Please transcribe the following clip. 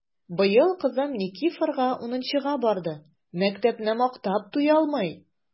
Быел кызым Никифарга унынчыга барды— мәктәпне мактап туялмый!